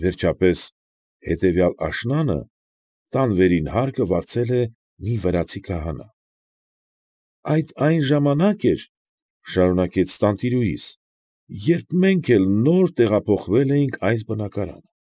Վերջապես, հետևյալ աշնանը տան վերին հարկը վարձել է մի վրացի քահանա։ ֊ Այդ այն ժամանակն էր, ֊ շարունակեց տանտիրուհիս, ֊ երբ մենք էլ նոր տեղափոխվել էինք այս բնակարանը։